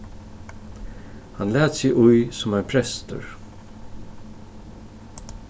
hann læt seg í sum ein prestur